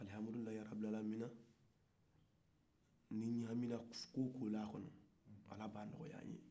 alhamdulayi rabi alamina n'in ɲaamina ko o ko la a kɔnɔ ala b'a nɔgɔya nye